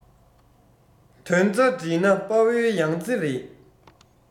དོན རྩ བསྒྲིལ ན དཔའ བོའི ཡང རྩེ རེད